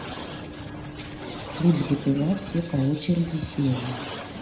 три богатыря все по очереди серии